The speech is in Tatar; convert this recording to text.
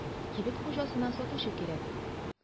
Кибет хуҗасына сатучы кирәк.